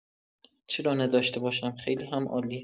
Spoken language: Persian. چرا نداشته باشم، خیلی هم عالیه.